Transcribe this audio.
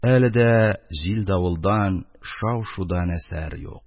Әле дә җил-давылдан, шау-шудан әсәр юк